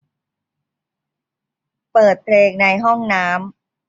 เปิดเพลงในห้องน้ำ